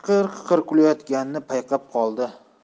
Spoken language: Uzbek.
qiqir kulayotganini payqab qolibdi